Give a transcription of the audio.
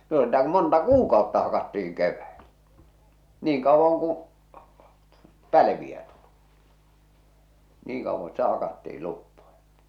no sitä kun monta kuukautta hakattiin keväällä niin kauan kuin päiviä tuli niin kauan sitä hakattiin luppoja